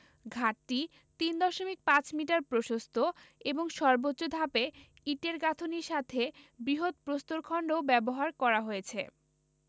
ঘাটটি ৩ দশমিক ৫ মিটার প্রশস্ত এবং সর্বোচ্চ ধাপে ইটের গাঁথুনীর সাথে বৃহৎ প্রস্তরখন্ডও ব্যবহার করা হয়েছে